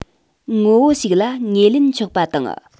ངོ བོ ཞིག ལ ངོས ལེན ཆོག པ དང